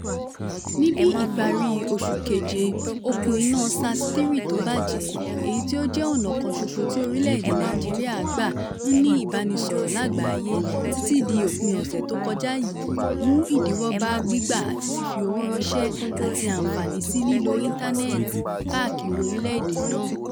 Ní bí iparí July, okùn iná SAT-3 tó bàjẹ́ – èyí tí ó jẹ́ ọ̀nà kan ṣoṣo tí orilẹ̀ èdè Nàìjíríà gbà ń ní ìbánisọ̀rọ̀ lágbàáyé títí di òpin ọ̀sẹ̀ tó kọjá yìí – mú ìdíwọ́ bá gbígbà àti fífi owó rànṣẹ́ àtí ànfàání sí lílo íntánẹ́ẹ̀ti káàkiri orilẹ̀ èdè náà.